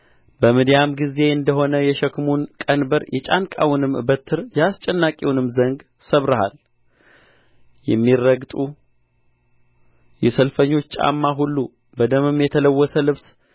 በምድያም ጊዜ እንደ ሆነ የሸክሙን ቀንበር የጫንቃውንም በትር የአስጨናቂውንም ዘንግ ሰብረሃል የሚረግጡ የሰልፈኞች ጫማ ሁሉ በደምም የተለወሰ ልብስ